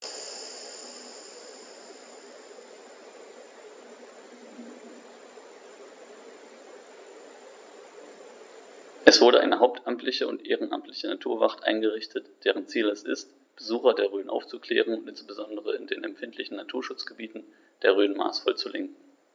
Es wurde eine hauptamtliche und ehrenamtliche Naturwacht eingerichtet, deren Ziel es ist, Besucher der Rhön aufzuklären und insbesondere in den empfindlichen Naturschutzgebieten der Rhön maßvoll zu lenken.